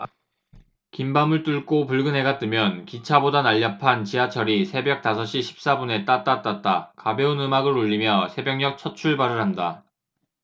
긴 밤을 뚫고 붉은 해가 뜨면 기차보다 날렵한 지하철이 새벽 다섯시 십사분에 따따따따 가벼운 음악을 울리며 새벽녘 첫출발을 한다